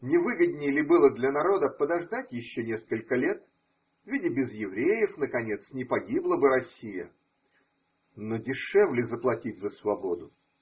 Не выгодней ли было для народа подождать еще несколько лет – ведь и без евреев, наконец, не погибла бы Россия, – но дешевле заплатить за свободу?